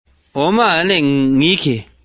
སྨ ར ཅན དེ ཡང ཞིང ཁར ཙོག སྟེ